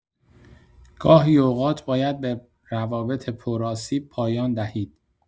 گاهی اوقات باید به روابط پرآسیب پایان دهید.